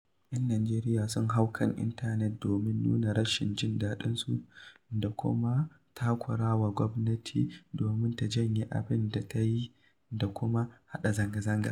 Yan Najeriya sun hau kan intanet domin nuna rashin jin daɗinsu, da kuma takurawa gwamnati domin ta janye abin da ta yi da kuma haɗa zanga-zanga: